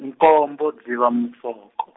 nkombo Dzivamusoko.